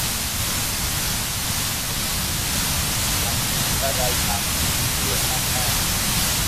ฉันไม่มีอะไรทำเบื่อมากมาก